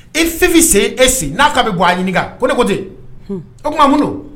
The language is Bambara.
E fifin se e n'a ka bɛ bɔ a ɲini ko ne ko ten o tuma mun